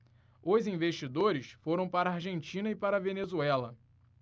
os investidores foram para a argentina e para a venezuela